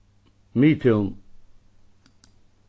miðtún